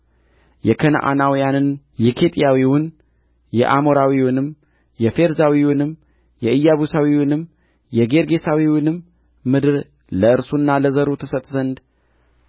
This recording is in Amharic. የከነዓናዊውንና የኬጢያዊውን የአሞራዊውንም የፌርዛዊውንም የኢያቡሳዊውንም የጌርጌሳዊውንም ምድር ለእርሱና ለዘሩ ትሰጥ ዘንድ